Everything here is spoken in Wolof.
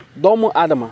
doomu aadama